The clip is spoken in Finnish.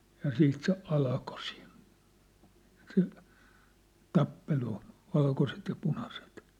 ja siitä se alkoi siinä se tappelu valkoiset ja punaiset